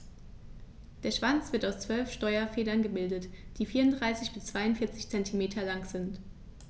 Der Schwanz wird aus 12 Steuerfedern gebildet, die 34 bis 42 cm lang sind.